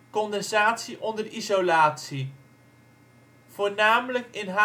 condensatie onder isolatie), voornamelijk in